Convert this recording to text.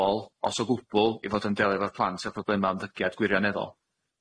ôl os o gwbwl i fod yn delio efo plant â problema ymddygiad gwirioneddol.